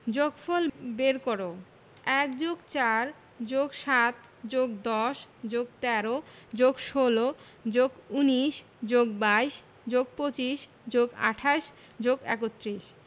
যোগফল বের করঃ ১+৪+৭+১০+১৩+১৬+১৯+২২+২৫+২৮+৩১